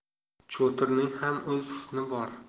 cho'tirning ham o'z husni bor